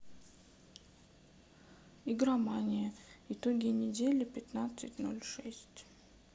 игромания итоги недели пятнадцать ноль шесть